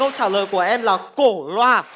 câu trả lời của em là cổ loa